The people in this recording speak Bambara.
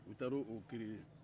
u taara o creer